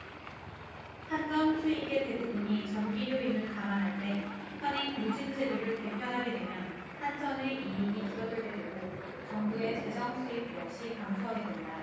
한전 수익의 대부분이 전기료임을 감안할 때 현행 누진제도를 개편하게 되면 한전의 이익이 줄어들게 되고 정부의 재정수입 역시 감소하게 된다